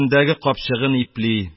Билендәге капчыгын ипли,